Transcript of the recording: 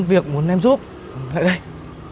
việc muốn em giúp lại đây